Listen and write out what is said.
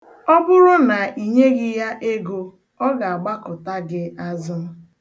Ọ bụrụ na inyeghị ya ego, ọ ga-agbakụta gị azụ.